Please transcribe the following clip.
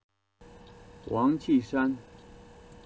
ཝང ཆི ཧྲན